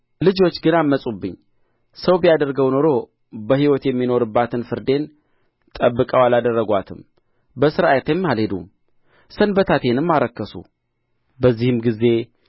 ልጆች ግን ዐመፁብኝ ሰው ቢያደርገው ኖሮ በሕይወት የሚኖርባትን ፍርዴን ጠብቀው አላደረጓትም በሥርዓቴም አልሄዱም ሰንበታቴንም አረከሱ በዚህም ጊዜ